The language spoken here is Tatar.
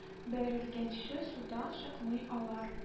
Бәрелгәнче судан чыкмый алар